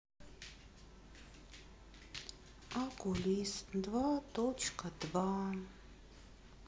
окулист два точка два